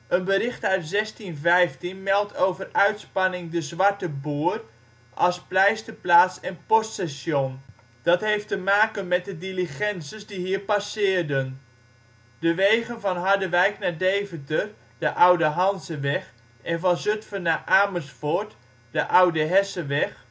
bericht uit 1615 meldt over Uitspanning " De Zwarte Boer " als pleisterplaats en poststation. Dat heeft te maken met de diligences die hier passeerden. De wegen van Harderwijk naar Deventer (oude Hanzeweg) en van Zutphen naar Amersfoort (oude Hessenweg